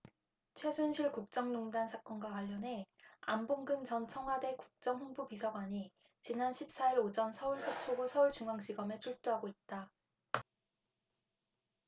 최순실 국정농단 사건과 관련해 안봉근 전 청와대 국정홍보비서관이 지난 십 사 일 오전 서울 서초구 서울중앙지검에 출두하고 있다